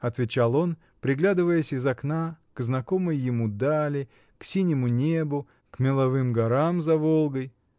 — отвечал он, приглядываясь из окна к знакомой ему дали, к синему небу, к меловым горам за Волгой.